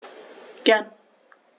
Gern.